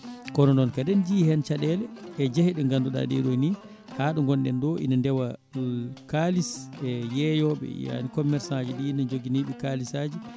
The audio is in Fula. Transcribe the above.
kono noon kadi eɗen jii hen caɗele e jeeha ɗe ganduɗa ɗeeɗo ni haaɗo gonɗen ɗo ina deewa kalis e yeeyoɓe yani commerçant ji ɗi ne jooguiniɓe kalisaji